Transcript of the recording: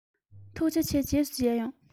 ཐུགས རྗེ ཆེ རྗེས སུ མཇལ ཡོང